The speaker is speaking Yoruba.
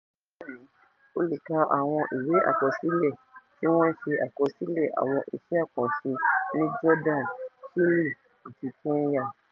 Ní òní o lè kà àwọn ìwé àkọsílẹ tí wọ́n ṣe àkọsílẹ̀ àwọn iṣẹ́ àkànṣe ní Jordan, Chile, àti Kenya.